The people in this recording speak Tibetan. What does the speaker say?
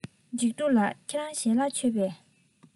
འཇིགས སྟོབས ལགས ཁྱེད རང ཞལ ལག མཆོད པས